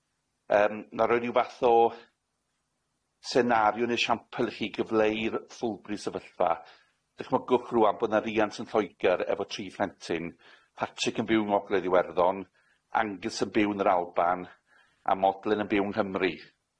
Yym 'na i roi ryw fath o senario ne' siampl i chi i gyfleu ffwlbri'r sefyllfa. Dychmygwch rŵan bo' 'na riant yn Lloegr efo tri phlentyn, Patrick yn byw yng Ngogledd Iwerddon, Angus yn byw yn yr Alban, a Modlen yn byw yng Nghymru.